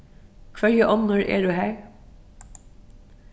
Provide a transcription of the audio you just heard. hvørji onnur eru har